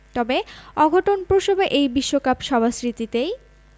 তবে অঘটনপ্রসবা এই বিশ্বকাপ সবার স্মৃতিতেই